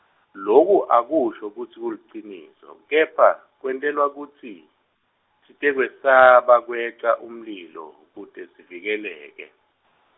loku akusho kutsi kuliciniso, kepha, kwentelwa kutsi, sitokwesaba kweca umlilo, kute sivikeleke.